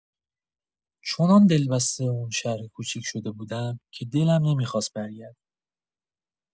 چنان دلبسته اون شهر کوچیک شده بودم که دلم نمی‌خواست برگردم.